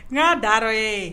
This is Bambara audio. Ŋaa Daadɔ yee